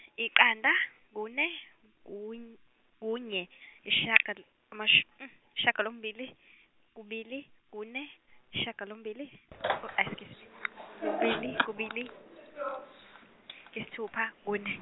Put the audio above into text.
iqanda kune kuny- kunye ishagalo- amash- shagalombili kubili kune shagalombili kubili kubili isithupha kune.